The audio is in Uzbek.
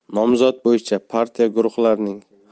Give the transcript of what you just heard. nomzod bo'yicha partiya guruhlarining